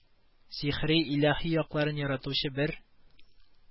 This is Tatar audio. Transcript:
Сихри, илаһи якларын яратучы бер